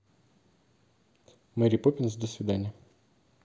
мэри попинс до свидания